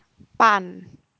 ปั่น